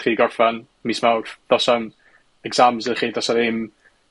chi 'di gorffen mis Mawrth, do's na'm exams i chi do's 'na ddim